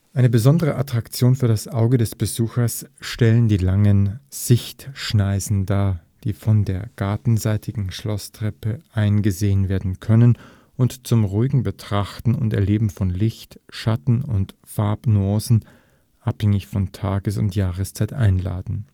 Eine besondere Attraktion für das Auge des Besuchers stellen die langen Sichtschneisen dar, die von der gartenseitigen Schlosstreppe eingesehen werden können und zum ruhigen Betrachten und Erleben von Licht, Schatten und Farbnuancen abhängig von Tages - und Jahreszeit einladen